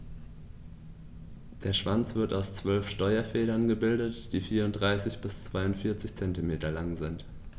Der Schwanz wird aus 12 Steuerfedern gebildet, die 34 bis 42 cm lang sind.